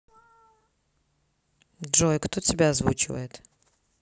джой кто тебя озвучивает